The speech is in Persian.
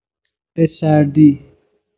به سردی